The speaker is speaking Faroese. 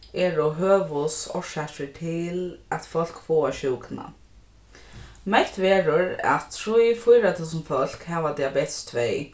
eru høvuðsorsakir til at fólk fáa sjúkuna mett verður at trý fýra túsund fólk hava diabetes tvey